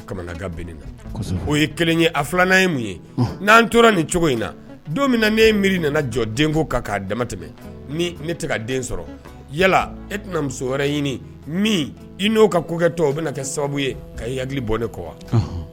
Filanan ye mun ye n'an tora nin cogo in na don min na ne ye mi nana jɔ den ko kan'a dama tɛmɛ ne tɛ den sɔrɔ yala e tɛna muso wɛrɛ ɲini min i n'o ka kokɛtɔ o bɛ kɛ sababu ye ka hakili bɔ ne kɔ wa